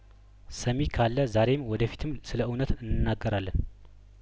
ሰሚ ካለዛሬም ወደፊትም ስለእውነት እንናገራለን